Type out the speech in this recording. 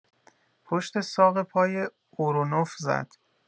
پشت ساق پای اورونوف زد